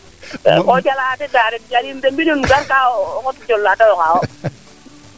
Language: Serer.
ko jalaa de nda jaliim de mbinuun im gar kaa o xot jolaa tewo xaawo